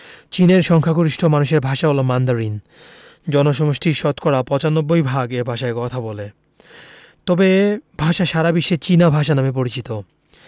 চীনের সংখ্যাগরিষ্ঠ মানুষের ভাষা হলো মান্দারিন জনসমষ্টির শতকরা ৯৫ ভাগ এ ভাষায় কথা বলে তবে এ ভাষা সারা বিশ্বে চীনা ভাষা নামে পরিচিত